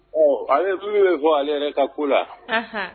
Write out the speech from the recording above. Ɔ a ye furu bɛ fɔ ale yɛrɛ ka ko la